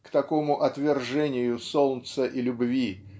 к такому отвержению солнца и любви